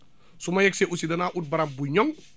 su ma yegg see aussi danaa ut barab bu ñoŋ